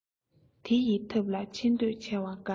དེ ཡི ཐབས ལ ཆེ འདོད ཆེ བ དགའ